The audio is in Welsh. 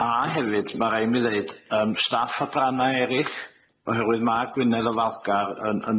A hefyd ma' raid i mi ddeud yym staff adranna erill, oherwydd ma' Gwynedd Ofalgar yn yn